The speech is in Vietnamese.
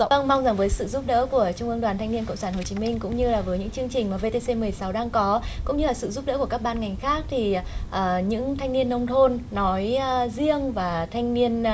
vâng mong rằng với sự giúp đỡ của trung ương đoàn thanh niên cộng sản hồ chí minh cũng như là với những chương trình mà vê tê xê mười sáu đang có cũng như là sự giúp đỡ của các ban ngành khác thì à những thanh niên nông thôn nói riêng và thanh niên